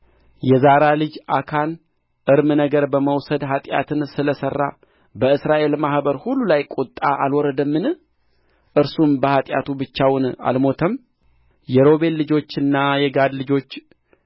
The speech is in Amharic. የዛራ ልጅ አካን እርም ነገር በመውሰድ ኃጢአትን ስለ ሠራ በእስራኤል ማኅበር ሁሉ ላይ ቍጣ አልወረደምን እርሱም በኃጢአቱ ብቻውን አልሞተም የሮቤል ልጆችና የጋድ ልጆች